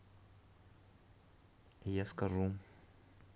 я скажу